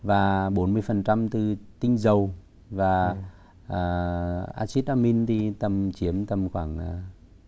và bốn mươi phần trăm từ tinh dầu và a xít a min thì tầm chiếm tầm khoảng à